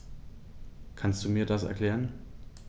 Kannst du mir das erklären?